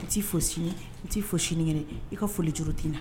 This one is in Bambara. I t fo n t' fo sini yɛrɛ i ka foli juru' na